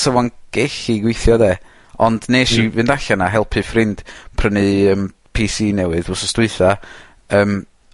'sa fo'n gellu gweithio 'de, ond nesh... Hmm. ...i fynd allan a helpu ffrind prynu yym pee see newydd wsnos dwytha, yym